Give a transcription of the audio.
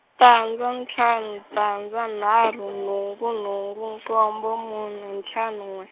tandza ntlhanu tandza nharhu nhungu nhungu nkombo mune ntlhanu n'we.